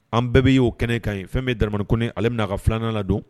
An bɛɛ bɛ y'o kɛnɛ ka kan ɲi fɛn bɛ dmanik ale bɛna'a ka filanan la don